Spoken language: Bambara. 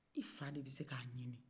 i fa de bɛ se k'a ɲinin